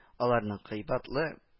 Аларның кыйбатлы б